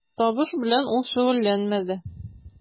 Табыш белән ул шөгыльләнмәде.